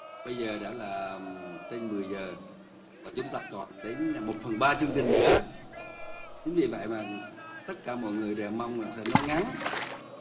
bây giờ đã là trên mười giờ mà chúng ta còn đến là một phần ba chương trình nữa chính vì vậy mà tất cả mọi người đều mong là sẽ nói ngắn